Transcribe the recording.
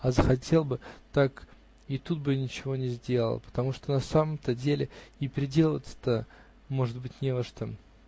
а захотел бы, так и тут бы ничего не сделал, потому что на самом-то деле и переделываться-то, может быть, не во что.